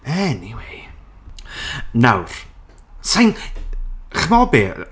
Anyway. Nawr. Sa i'n... Chimod be?